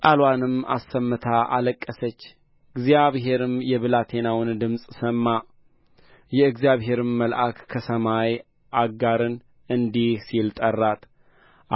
ቃልዋንም አሰምታ አለቀሰች እግዚአብሔርም የብላቴናውን ድምፅ ሰማ የእግዚአብሔርም መልአክ ከሰማይ አጋርን እንዲህ ሲል ጠራት